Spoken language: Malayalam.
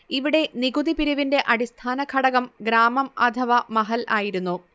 ഇവിടെ നികുതിപിരിവിന്റെ അടിസ്ഥാനഘടകം ഗ്രാമം അഥവാ മഹൽ ആയിരുന്നു